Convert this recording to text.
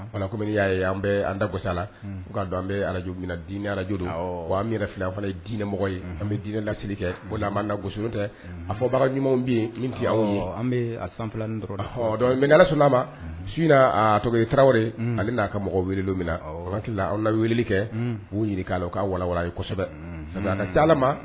Bala kɔmi y'a an bɛ an dagosala'a an bɛ araj dinɛ araj an yɛrɛ fila an fana ye diinɛ mɔgɔ ye an bɛ dinɛ lasiri kɛ an anan ka gosi tɛ a fɔ ɲumanw bɛ min an bɛ san sɔnna ma su to tarawele ale n'a ka mɔgɔ wele o hakili la an wele kɛ'u ɲini k'a la u ka wawa kosɛbɛ ka taa ma